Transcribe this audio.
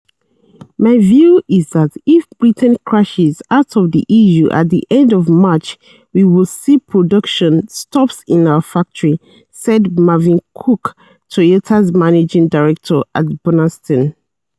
"My view is that if Britain crashes out of the EU at the end of March we will see production stops in our factory," said Marvin Cooke, Toyota's managing director at Burnaston.